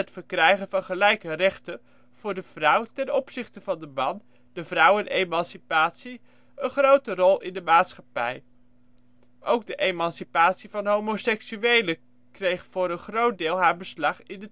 verkrijgen van gelijke rechten voor de vrouw ten opzichte van de man (de vrouwenemancipatie) een grote rol in de maatschappij. Ook de emancipatie van homoseksuelen kreeg voor een groot deel haar beslag in de